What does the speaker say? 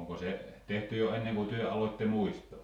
onko se tehty jo ennen kuin te aloitte muistaa